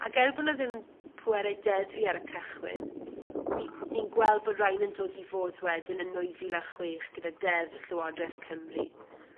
ag er bo' 'na ddim pwerau deddfu ar y cychwyn, ni ni'n gweld bo' rain yn dod i fod wedyn yn nwy fil a chwech gyda deddf Llywodreth Cymru.